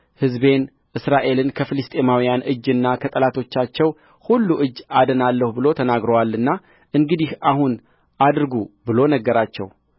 ሕዝቤን እስራኤልን ከፍልስጥኤማውያን እጅና ከጠላቶቻቸው ሁሉ እጅ አድናለሁ ብሎ ተናግሮአልና እንግዲህ አሁን አድርጉ ብሎ ነገራቸው አበኔርም ደግሞ በብንያም ወገን ጆሮ ተናገረ